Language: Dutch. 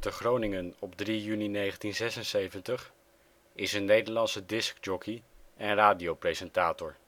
Groningen, 3 juni 1976) is een Nederlandse diskjockey en radiopresentator